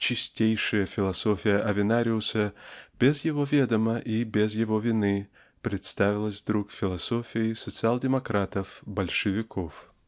"чистейшая" философия Авенариуса без его ведома и без его вины представилась вдруг философией социал-демократов "большевиков".